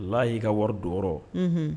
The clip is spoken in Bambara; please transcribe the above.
La y'i ka wari do